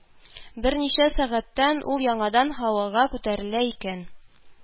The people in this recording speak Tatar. Берничә сәгатьтән ул яңадан һавага күтәрелә икән